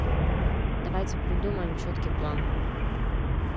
давайте придумаем четкий план